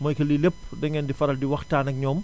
mooy que lii lépp dangeen di faral di waxtaan ak ñoom